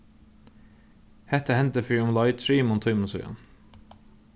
hetta hendi fyri umleið trimum tímum síðan